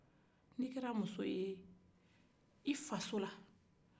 n'i kɛra muso ye i faso la